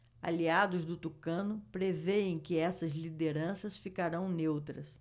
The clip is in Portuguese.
aliados do tucano prevêem que essas lideranças ficarão neutras